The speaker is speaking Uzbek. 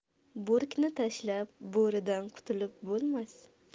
bo'rkni tashlab bo'ridan qutulib bo'lmas